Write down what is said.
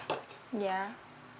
dạ